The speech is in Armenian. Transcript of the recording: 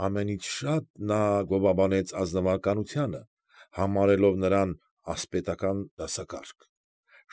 Ամենից շատ նա գովաբանեց ազնվականությանը, համարելով նրան «ասպետական» դասակարգ։